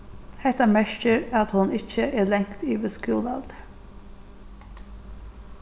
hetta merkir at hon ikki er langt yvir skúlaaldur